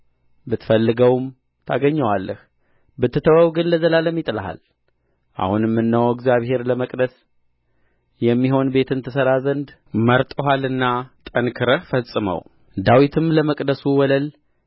ብትፈልገው ታገኘዋለህ ብትተወው ግን ለዘላለም ይጥልሃል አሁንም እነሆ እግዚአብሔር ለመቅደስ የሚሆን ቤትን ትሠራ ዘንድ መርጦሃልና ጠንክረህ ፈጽመው ዳዊትም ለመቅደሱ ወለል